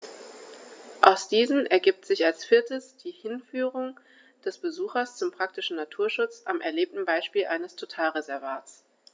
Aus diesen ergibt sich als viertes die Hinführung des Besuchers zum praktischen Naturschutz am erlebten Beispiel eines Totalreservats.